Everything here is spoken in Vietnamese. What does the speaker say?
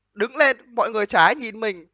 đứng lên mọi người chả ai nhìn mình